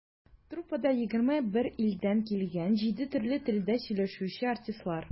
Труппада - 21 илдән килгән, җиде төрле телдә сөйләшүче артистлар.